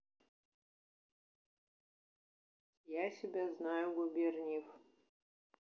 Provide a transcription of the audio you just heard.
я себя знаю губерниев